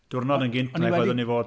Diwrnod yn gynt nag oedden ni fod.